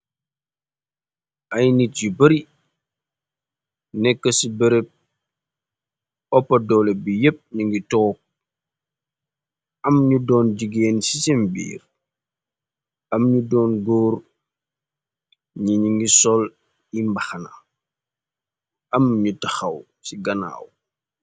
Ay nit yu bari nekk ci berëb oppa doole bi yépp ñu ngi took. Am ñu doon jigéen ci seem biir. Am ñu doon góor ñi ngi sol yi mbaxana. Am ñu taxaw ci ganaaw.